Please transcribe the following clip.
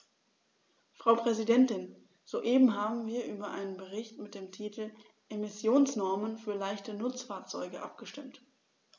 Frau Präsidentin, soeben haben wir über einen Bericht mit dem Titel "Emissionsnormen für leichte Nutzfahrzeuge" abgestimmt.